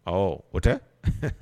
Awɔ, o tɛ?